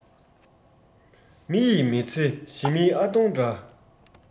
མི ཡིས མི ཚེ ཞི མིའི ཨ སྟོང འདྲ